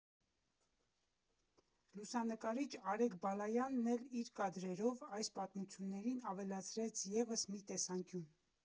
Լուսանկարիչ Արեգ Բալայանն էլ իր կադրերով այս պատմություններին ավելացրեց ևս մի տեսանկյուն։